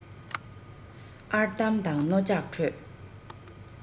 ཨར དམ དང རྣོ ལྕགས ཁྲོད